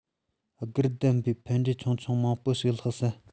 སྒེར སྡེམ བའི ཕན འབྲས ཆུང ཆུང མང པོ ཞིག ལྷག སྲིད